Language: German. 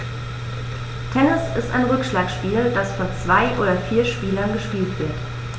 Tennis ist ein Rückschlagspiel, das von zwei oder vier Spielern gespielt wird.